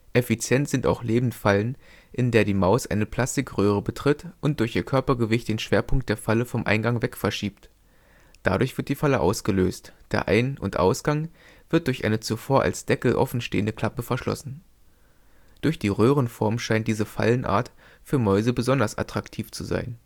Effizient sind auch Lebendfallen, in der die Maus eine Plastikröhre betritt und durch ihr Körpergewicht den Schwerpunkt der Falle vom Eingang weg verschiebt. Dadurch wird die Falle ausgelöst, der Ein -/ Ausgang wird durch eine zuvor als " Deckel " offenstehende Klappe verschlossen. Durch die Röhrenform scheint diese Fallenart für Mäuse besonders attraktiv zu sein